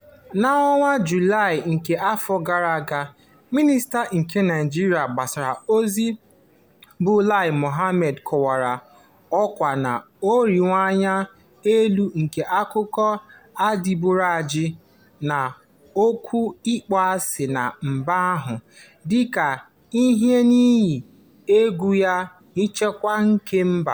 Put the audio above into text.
N'ọnwa Julaị nke afọ gara aga, Minista nke Naijiria Gbasara Ozi bụ Lai Mohammed kọwara ọkwa na-arịwanye elu nke akụkọ adịgboroja na okwu ịkpọasị na mba ahụ dịka ihe iyi egwu nye nchekwa kemba.